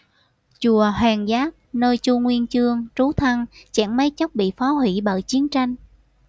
chùa hoằng giác nơi chu nguyên chương trú thân chẳng mấy chốc bị phá hủy bởi chiến tranh